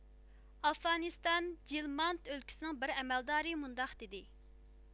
ئافغانىستان جېلماند ئۆلكىسىنىڭ بىر ئەمەلدارى مۇنداق دېدى